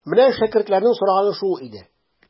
Менә шәкертләрнең сораганы шул иде.